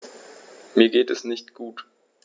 Mir geht es nicht gut.